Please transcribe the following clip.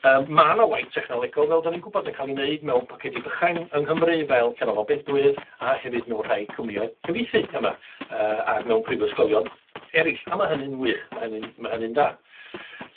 Yym ma' 'na waith technolegol, fel 'dan ni'n gwbod yn ca'l 'i neud mewn pocedi bychain yng Nghymru fel Canolfan Bedwyr, a hefyd mewn rhai cwmnïau cyfieithu yma yy ag mewn prifysgolion eryll, a ma' hynny'n wych, ma' hynny'n ma' hynny'n dda.